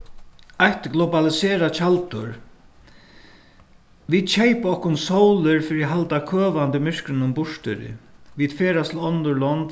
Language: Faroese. eitt globaliserað tjaldur vit keypa okkum sólir fyri at halda køvandi myrkrinum burturi vit ferðast til onnur lond